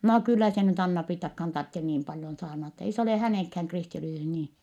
no kyllä se nyt Anna-Priittakaan tarvitse niin paljon saarnata ei se ole hänenkään kristillisyys niin